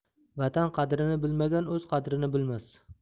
vatan qadrini bilmagan o'z qadrini bilmas